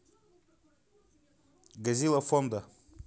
gazilla фонда